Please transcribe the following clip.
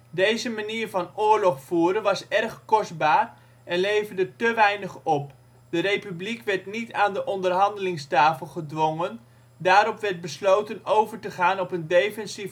Deze manier van oorlog voeren was erg kostbaar en leverde te weinig op, de Republiek werd niet aan de onderhandelingstafel gedwongen, daarop werd besloten over te gaan op een defensieve strategie